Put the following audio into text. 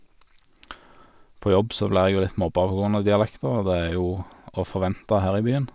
På jobb så blir jeg jo litt mobba på grunn av dialekten, og det er jo å forvente her i byen.